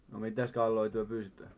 no mitäs kaloja te pyysitte